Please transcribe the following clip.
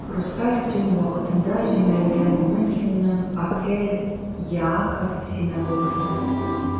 "хрусталь төн" вакытында җимерелгән мюнхенның "охель яаков" синагогасы.